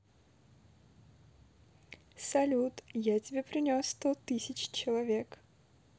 салют я тебе принес сто тысяч человеков